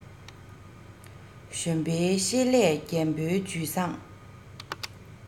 གཞོན པའི ཤེད ལས རྒན པོའི ཇུས བཟང